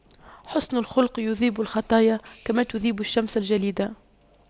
حُسْنُ الخلق يذيب الخطايا كما تذيب الشمس الجليد